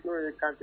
N'o ye Kant